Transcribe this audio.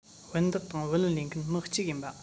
བུན བདག དང བུ ལོན ལེན མཁན མི གཅིག ཡིན པ